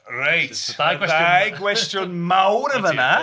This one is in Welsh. Reit... dau gwestiwn mawr yn fan'na!